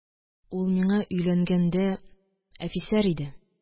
Ул миңа өйләнгәндә әфисәр иде.